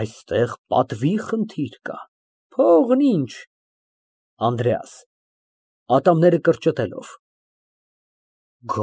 Այստեղ պատվի խնդիր կա, փողն ինչ… ԱՆԴՐԵԱՍ ֊ (Ատամները կրճտելով)։